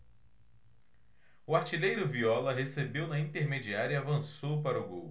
o artilheiro viola recebeu na intermediária e avançou para o gol